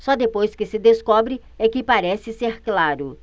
só depois que se descobre é que parece ser claro